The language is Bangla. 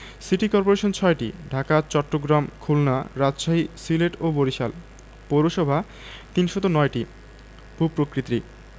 সিটি কর্পোরেশন ৬টি ঢাকা চট্টগ্রাম খুলনা রাজশাহী সিলেট ও বরিশাল পৌরসভা ৩০৯টি ভূ প্রকৃতিঃ